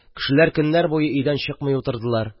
Кешеләр көннәр буе өйдән чыкмый утырдылар